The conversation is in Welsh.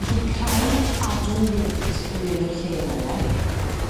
Felly Craig Adwy Wynt yw enw'r lle 'my ie?